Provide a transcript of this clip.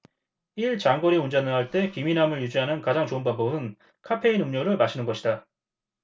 일 장거리 운전을 할 때 기민함을 유지하는 가장 좋은 방법은 카페인 음료를 마시는 것이다